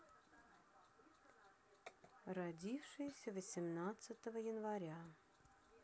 родившиеся восемнадцатого января